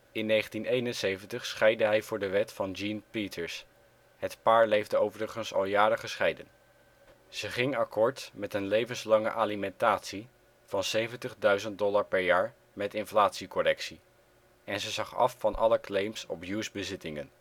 In 1971 scheidde hij voor de wet van Jean Peters; het paar leefde overigens al jaren gescheiden. Ze ging akkoord met een levenslange alimentatie van zeventigduizend dollar per jaar met inflatiecorrectie, en ze zag af van alle claims op Hughes ' bezittingen